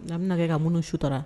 A bɛ kɛ ka mun sutura